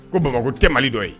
Ko bamakɔ tɛ mali dɔ ye